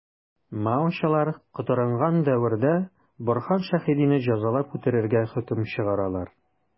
Маочылар котырынган дәвердә Борһан Шәһидине җәзалап үтерергә хөкем чыгаралар.